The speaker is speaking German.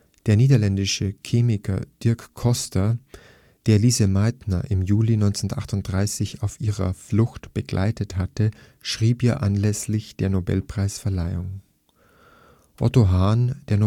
Der niederländische Chemiker Dirk Coster, der Lise Meitner im Juli 1938 auf ihrer Flucht begleitet hatte, schrieb ihr anlässlich der Nobelpreis-Verleihung: „ Otto Hahn